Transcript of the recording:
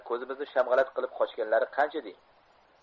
ko'zimizni shamg'alat qilib qochganlari qancha deng